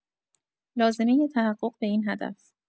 لازمۀ تحقق به این هدف